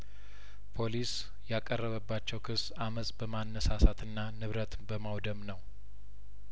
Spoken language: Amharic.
ፖሊስ ያቀረበባቸው ክስ አመጽ በማነሳሳትና ንብረት በማውደም ነው